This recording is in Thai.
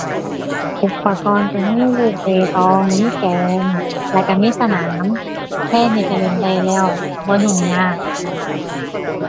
อุปกรณ์ก็มีลูกเปตอง มีแกน และก็มีสนาม แค่นี้ก็เล่นได้แล้ว บ่ยุ่งยาก